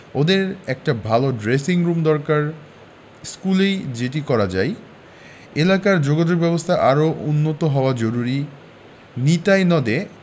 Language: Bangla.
ওদের একটা ভালো ড্রেসিংরুম দরকার স্কুলেই যেটি করা যায় এলাকার যোগাযোগব্যবস্থা আরও উন্নত হওয়া জরুরি নিতাই নদে